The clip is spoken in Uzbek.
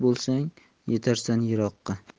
bo'lsang yetarsan yiroqqa